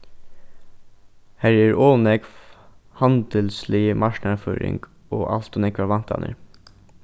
har er ov nógv handilslig marknaðarføring og alt ov nógvar væntanir